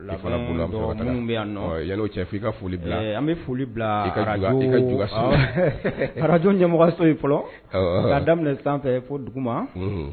Bɛ cɛ' ka foli an bɛ bila faraj ɲɛmɔgɔso fɔlɔ ka daminɛ sanfɛ fɔ dugu ma